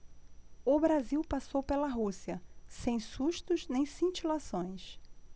o brasil passou pela rússia sem sustos nem cintilações